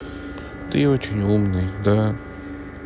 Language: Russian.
ты очень умный да